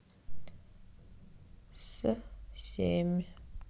с семь